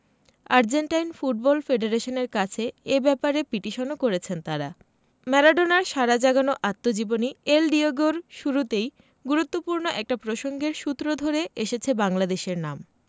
Argentine football ফেডারেশনের কাছে এ ব্যাপারে পিটিশনও করেছেন তাঁরা ম্যারাডোনার সাড়া জাগানো আত্মজীবনী এল ডিয়েগো র শুরুতেই গুরুত্বপূর্ণ একটা প্রসঙ্গের সূত্র ধরে এসেছে বাংলাদেশের নাম